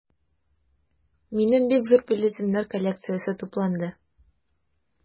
Минем бик зур бюллетеньнәр коллекциясе тупланды.